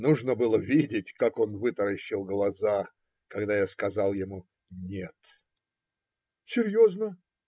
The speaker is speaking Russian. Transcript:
Нужно было видеть, как он вытаращил глаза, когда я сказал ему "нет". - Серьезно?